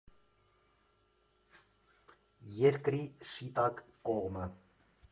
Երկրի շիտակ կողմը։